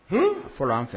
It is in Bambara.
H fɔra an fɛ